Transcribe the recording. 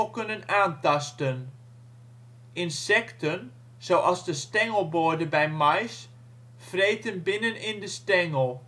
kunnen aantasten. Insecten, zoals de stengelboorder bij maïs vreten binnenin de stengel